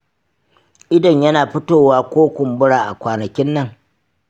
idon yana fito wa ko kumbura a kwanakin nan?